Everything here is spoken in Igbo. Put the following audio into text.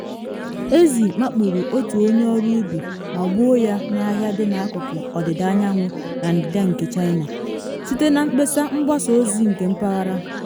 Ezi makpuru otu onye ọrụ ubi ma gbuo ya n’ahịa dị na akụkụ ọdịda anyanwụ na ndịda nke China, site na mkpesa mgbasa ozi nke mpaghara.